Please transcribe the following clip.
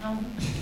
Anw